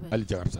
Hali sa